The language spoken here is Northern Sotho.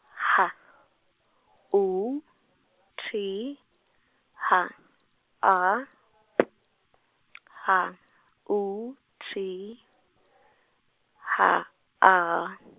H U T H A P H U T H A.